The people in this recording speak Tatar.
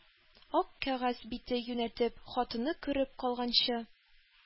Ак кәгазь бите юнәтеп, хатыны күреп калганчы,